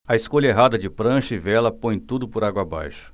a escolha errada de prancha e vela põe tudo por água abaixo